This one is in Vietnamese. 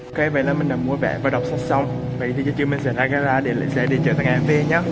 ok vậy là mình đã mua vé và đọc sách xong giờ vậy thì mình sẽ ra gara để lấy xe để chở thằng em về nha